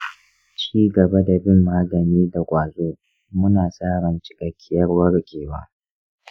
ci gaba da bin magani da ƙwazo, muna sa ran cikakkiyar warkewa.